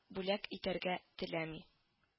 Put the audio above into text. Бүләк итәргә теләми